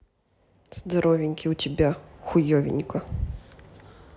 здоровенький у тебя хуевенько